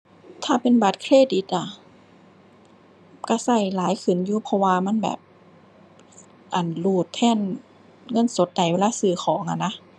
ถ้าเป็นบัตรเครดิตอะ ก็ก็หลายขึ้นอยู่ เพราะว่ามันแบบ อั่น รูดแทนเงินสดได้เวลาซื้อของอะนะ